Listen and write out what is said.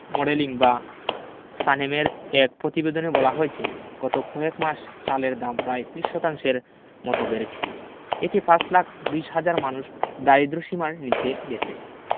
modelling বা সানেমের এক প্রতিবেদনে বলা হয়েছে গত কয়েক মাসে চালের দাম প্রায় ৩০ শতাংশের মতো বেড়েছে এতে ৫ লাখ ২০ হাজার মানুষ দারিদ্র্যসীমার নিচে গেছে